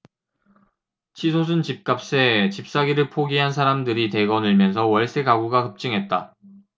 치솟은 집값에 집사기를 포기한 사람들이 대거 늘면서 월세 가구가 급증했다